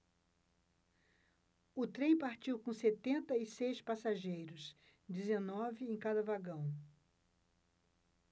o trem partiu com setenta e seis passageiros dezenove em cada vagão